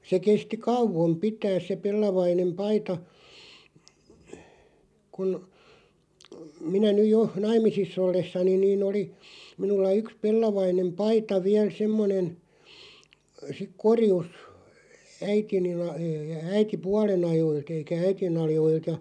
se kesti kauan pitää se pellavainen paita kun minä nyt jo naimisissa ollessani niin oli minulla yksi pellavainen paita vielä semmoinen sitten korjussa äitini -- äitipuolen ajoilta eikä äitini ajoilta ja